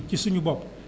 ci suñu bopp